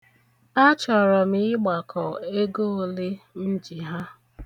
Achọrọ m ịgbakọ oge ole m ji ha.